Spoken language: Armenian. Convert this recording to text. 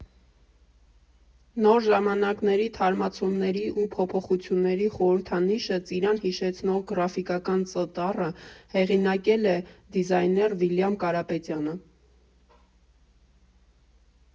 Նոր ժամանակների, թարմացումների ու փոփոխությունների խորհրդանիշը՝ ծիրան հիշեցնող գրաֆիկական Ծ տառը, հեղինակել է դիզայներ Վիլյամ Կարապետյանը։